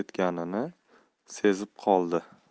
o'tib ketganini sezib qoldi